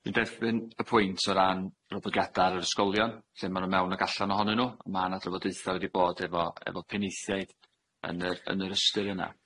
Dwi'n derbyn y pwynt o ran yr oblygiada ar yr ysgolion, lle ma' nw mewn ag allan ohonyn nw. Ma' 'na drafodaetha wedi bod efo efo penaethiaid yn yr yn yr ystyr yna.